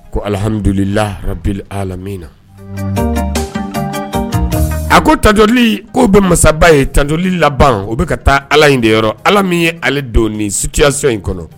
Ko alihamiduli lahabu min na a ko tajli k'o bɛ masaba ye tadli la o bɛka ka taa ala in de yɔrɔ ala min ye ale don ni situyaso in kɔnɔ